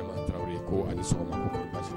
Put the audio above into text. Umaru Tarawele ko a ni sɔgɔma, kɔnni basi